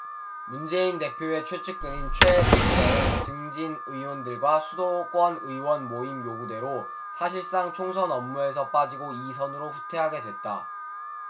문재인 대표의 최측근인 최 본부장은 중진 의원들과 수도권 의원 모임 요구대로 사실상 총선 업무에서 빠지고 이 선으로 후퇴하게 됐다